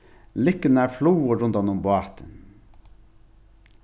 likkurnar flugu rundan um bátin